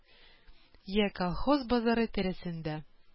Йә колхоз базары тирәсендә